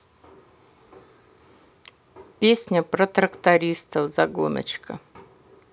песня про трактористов за гоночка